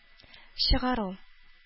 Чыгару